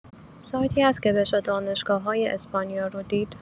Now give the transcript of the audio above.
سایتی هست که بشه دانشگاه‌‌های اسپانیا رو دید؟